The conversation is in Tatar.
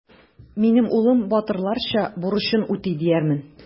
Минем улым батырларча бурычын үти диярмен.